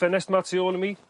ffenest 'ma tu ôl i mi